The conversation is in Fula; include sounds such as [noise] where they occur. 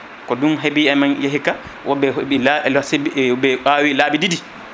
ko ɗum heeɓi emin hikka wobɓe heeɓi la [hesitation] ɓe awi laabi ɗiɗi